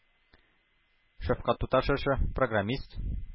Шәфкать туташы эше, программист